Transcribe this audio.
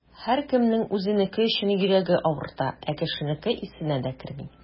Һәркемнең үзенеке өчен йөрәге авырта, ә кешенеке исенә дә керми.